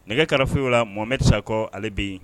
Nɛgɛkarafew la Muhamɛdi Sakɔ ale bɛ yen